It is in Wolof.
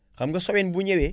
xam nga soween bu ñëwee